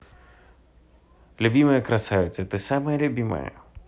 любимая красавица ты самая любимая